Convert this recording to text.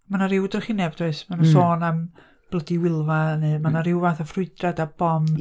Ma 'na ryw drychineb, does? Ma' nhw'n sôn am "blydi Wylfa" neu ma' 'na ryw fath o ffrwydrad a bom.